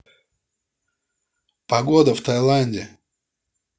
погода в таиланде